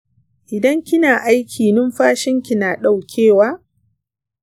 idan kina aiki numfashinki na daukewa?